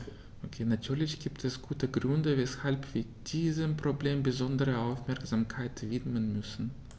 Natürlich gibt es gute Gründe, weshalb wir diesem Problem besondere Aufmerksamkeit widmen müssen.